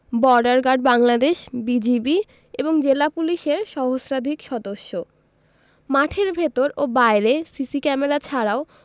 border guard Bangladesh BGB এবং জেলা পুলিশের সহস্রাধিক সদস্য মাঠের ভেতর ও বাইরে সিসি ক্যামেরা ছাড়াও